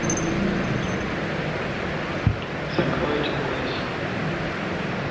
закрой один глаз